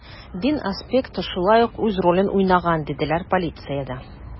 Дин аспекты шулай ук үз ролен уйнаган, диделәр полициядә.